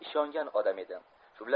shu bilan birga